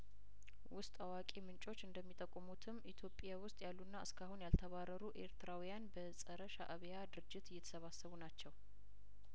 ውስጥ አዋቂ ምንጮች እንደሚጠቁሙትም ኢትዮጵያ ውስጥ ያሉና እስካሁን ያልተባረሩ ኤርትራውያን በጸረ ሻእቢያ ድርጅት እየተሰባሰቡ ናቸው